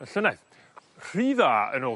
y llynedd rhy dda yn ôl...